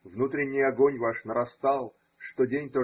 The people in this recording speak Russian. Внутренний огонь ваш нарастал, что день.